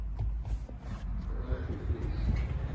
плачу фейс